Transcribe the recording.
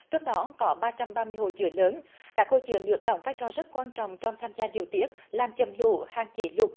trong đó có ba trăm ba mươi hồ chứa lớn các hồ chứa nước đóng vai trò rất quan trọng trong tham gia điều tiết làm chậm lũ hạn chế lụt